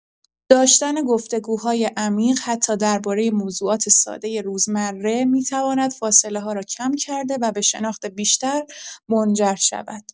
داشتن گفت‌وگوهای عمیق، حتی درباره موضوعات ساده روزمره، می‌تواند فاصله‌ها را کم کرده و به شناخت بیشتر منجر شود.